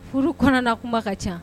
Olu kɔnɔna kuma ka ca.